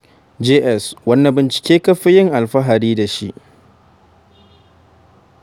JS: Wanne bincike ka fi yin alfahari da shi?